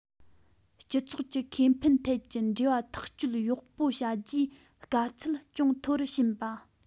སྤྱི ཚོགས ཀྱི ཁེ ཕན ཐད ཀྱི འབྲེལ བ ཐག གཅོད ཡོག པོ བྱ རྒྱུའི དཀའ ཚད ཅུང མཐོ རུ ཕྱིན པ